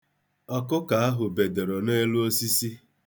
Ọkụkọ ahụ bedoro n'elu osisi.